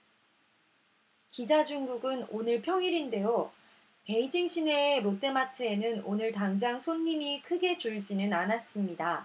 기자 중국은 오늘 평일인데요 베이징 시내의 롯데마트에는 오늘 당장 손님이 크게 줄지는 않았습니다